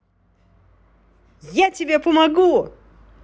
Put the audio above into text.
я тебе помогу